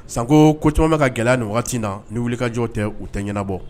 San ko caman bɛ ka gɛlɛya nin waati wagati in na ni wuli kajɔ tɛ u tɛ ɲɛnabɔ